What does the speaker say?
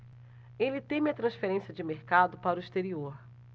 ele teme a transferência de mercado para o exterior